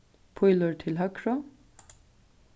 pílur til høgru